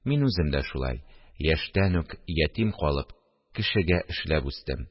Мин үзем дә шулай, яшьтән үк ятим калып, кешегә эшләп үстем